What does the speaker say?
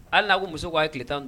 Hali' muso'a tile tan